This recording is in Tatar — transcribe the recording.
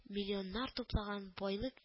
Миллионнар туплаган байлы